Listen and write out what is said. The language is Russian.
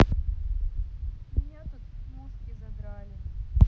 меня тут мушки задрали